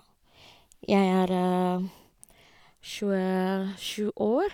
Jeg er tjuesju år.